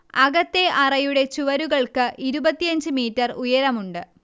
അകത്തെ അറയുടെ ചുവരുകൾക്ക് ഇരുപത്തിയഞ്ച് മീറ്റർ ഉയരമുണ്ട്